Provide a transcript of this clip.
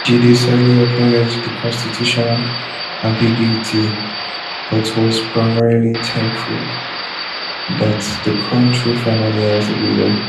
Jide Salu acknowledged the constitutional ambiguity, but was primarily thankful that the country finally has a leader.